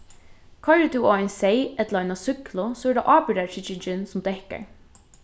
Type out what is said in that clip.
koyrir tú á ein seyð ella eina súkklu so er tað ábyrgdartryggingin sum dekkar